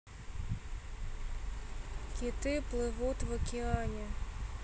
киты плывут в океане